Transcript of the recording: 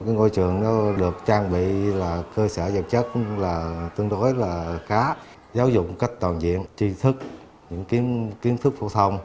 cái ngôi trường nó được trang bị là cơ sở vật chất là tương đối là khá giáo dục một cách toàn diện tri thức những kiến kiến thức phổ thông